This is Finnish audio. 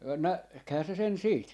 näkihän se sen siitä